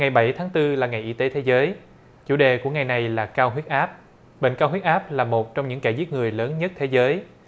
ngày bảy tháng tư là ngành y tế thế giới chủ đề của ngày này là cao huyết áp bệnh cao huyết áp là một trong những kẻ giết người lớn nhất thế giới